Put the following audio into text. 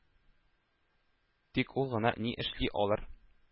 Тик ул гына ни эшли алыр?